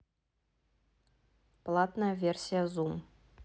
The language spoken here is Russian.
платная версия зум